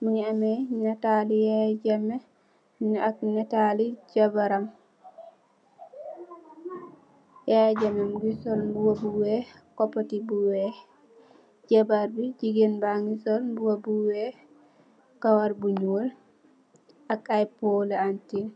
mungi ameh nataali Yaya Jammeh, ak nataali jabaram, Yaya Jammeh mungi sol mbuba bu weeh, kopoti bu weeh, jabar bi, jigeen bangi sol mbuba bu weeh, kawar bu ñuul, ak aye pooli antiin.